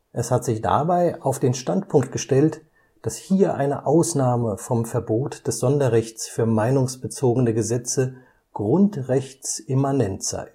Es hat sich dabei auf den Standpunkt gestellt, dass hier eine Ausnahme vom Verbot des Sonderrechts für meinungsbezogene Gesetze grundrechtsimmanent sei